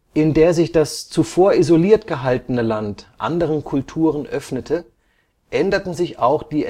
in der sich das zuvor isoliert gehaltene Land anderen Kulturen öffnete, änderten sich auch die